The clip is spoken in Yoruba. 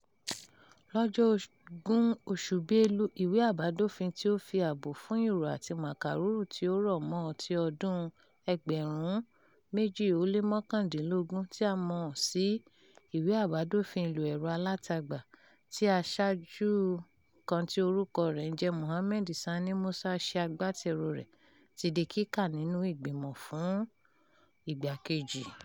Lọ́jọ́ 20 oṣù Belu, Ìwé Àbádòfin tí ó fi Ààbò fún Irọ́ àti Màkàrúrù tí ó rọ̀ mọ́ ọn ti ọdún-un 2019, tí a mọ̀ sí "ìwé àbádòfin ìlò ẹ̀rọ alátagbà", tí Aṣojú kan tí orúkọ rẹ̀ ń jẹ́ Mohammed Sani Musa ṣe agbátẹrùu rẹ̀, ti di kíkà nínú ìgbìmọ̀ fún ìgbà kejì.